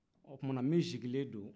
o kuma na min sigilen do